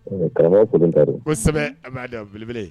Karamɔgɔ SInanta don, Kosɛbɛ an b'a dɔn belebele!